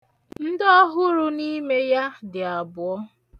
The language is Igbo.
Ndị ọhụrụ n'ime ya dị abụọ.